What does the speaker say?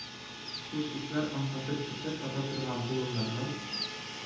Хуш исләр аңкытып чәчәк ата торган болыннарны,